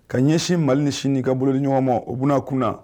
Ka ɲɛsin mali ni sini ni ka bololi ɲɔgɔn ma o bɛ kunna